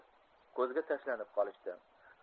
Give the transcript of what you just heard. ko'zga tashlanib qolishdi